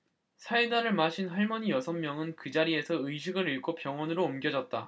사이다를 마신 할머니 여섯 명은 그 자리에서 의식을 잃고 병원으로 옮겨졌다